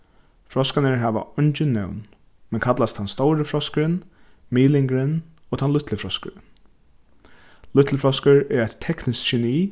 froskarnir hava eingin nøvn men kallast tann stóri froskurin miðlingurin og tann lítli froskurin lítli froskur er eitt tekniskt geni